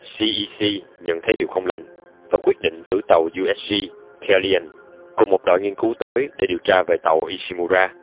cec nhận thấy điều không lành và quyết định cử tàu usg kellion cùng một đội nghiên cứu tới để điều tra về tàu ishimura